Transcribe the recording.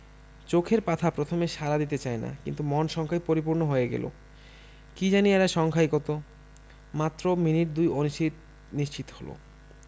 চোখের পাতা প্রথমে সাড়া দিতে চায় না কিন্তু মন শঙ্কায় পরিপূর্ণ হয়ে গেল কি জানি এরা সংখ্যায় কত মাত্র মিনিট দুই অনিশ্চিত নিশ্চিত হলো